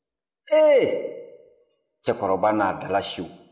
ee cɛkɔrɔba n'a dalasiw